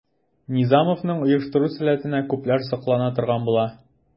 Низамовның оештыру сәләтенә күпләр соклана торган була.